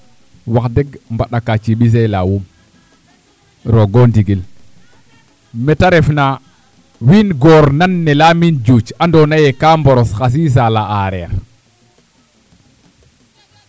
wax deg deg mbaɗakaaci mbisee laawum roog o ndigil meeta refna wiin goor we nandna nena Lamine Diouthi andoona yee ga mboros xa sisal a aareer